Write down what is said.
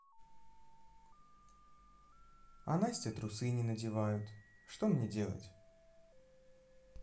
а настя трусы не надевают что мне делать